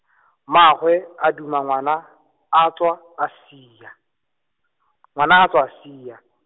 mmaagwe, a duma ngwana, a tswa, a sia, ngwana a tswa a sia.